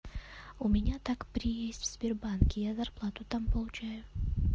у меня так при есть в сбербанке я зарплату там получаю